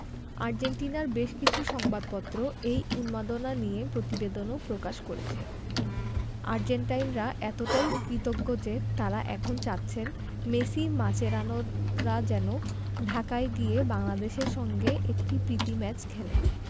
আর্জেন্টিনার বেশ কিছু সংবাদপত্র এই উন্মাদনা নিয়ে প্রতিবেদনও প্রকাশ করেছে আর্জেন্টাইনরা এতটাই কৃতজ্ঞ যে তাঁরা এখন চাচ্ছেন মেসি মাচেরানোরা যেন ঢাকায় গিয়ে বাংলাদেশের সঙ্গে একটি প্রীতি ম্যাচ খেলেন